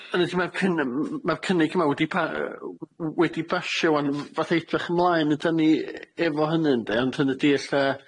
Hynny ydi ma' cyny- m- m- ma'r cynnig yma wedi pa- w- w- w- wedi ei basio ŵan, f- falla edrych ymlaen ydan ni e- efo hynny ynde, ond hynny 'di ella